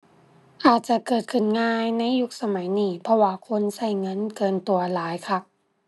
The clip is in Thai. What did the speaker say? อาจจะเกิดขึ้นง่ายในยุคสมัยนี้ เพราะว่าคนใช้เงินเกินตัวหลายคัก